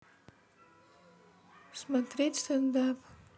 смотреть стендап